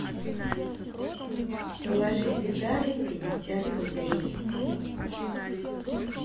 положить виталий пятьдесят рублей